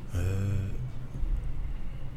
Ɛɛ